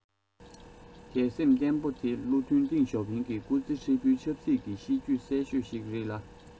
དད སེམས བརྟན པོ དེ བློ མཐུན ཏེང ཞའོ ཕིང གི སྐུ ཚེ ཧྲིལ པོའི ཆབ སྲིད ཀྱི གཤིས རྒྱུད གསལ ཤོས ཤིག རེད ལ